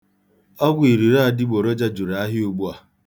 Ọgwụ iruro adịgboroja juru ahịa ugbu a.